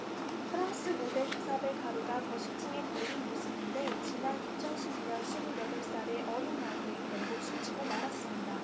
프랑스 모델 이사벨 카로가 거식증에 걸린 모습인데지난 이천 십 년 스물 여덟 살의 어린 나이에 결국 숨지고 말았습니다